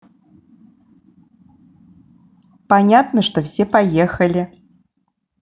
понятно что все поехали